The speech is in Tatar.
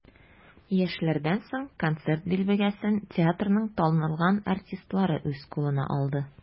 Яшьләрдән соң концерт дилбегәсен театрның танылган артистлары үз кулына алды.